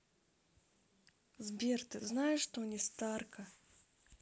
сбер ты знаешь тони старка